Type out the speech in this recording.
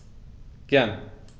Gern.